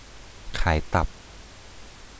ขายตับ